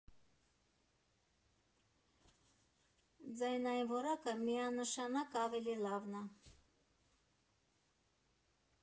Ձայնային որակը միանշանակ ավելի լավն ա»։